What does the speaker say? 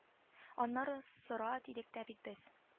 Аннары сыра дидек дә бит без